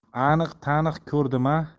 aniq taniq ko'rdim a